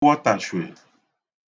mwọtashwè